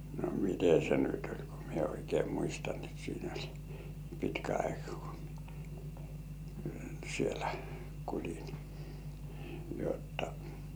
no miten se nyt oli kun minä oikein muistan että siinä oli pitkä aika kun minä siellä kuulin jotta